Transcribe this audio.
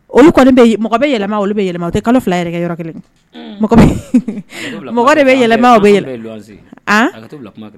O bɛ yɛlɛma bɛ yɛlɛma o tɛ kalo fila yɛrɛ yɔrɔ kelen mɔgɔ de bɛ yɛlɛma bɛ yɛlɛ